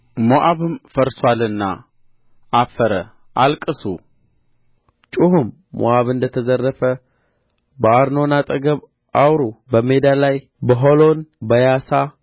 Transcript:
ሞዓብም ፈርሶአልና አፈረ አልቅሱ ጩኹም ሞዓብ እንደ ተዘረፈ በአርኖን አጠገብ አውሩ በሜዳ ላይ በሖሎን በያሳ